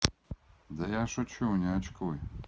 да я шучу неочкуй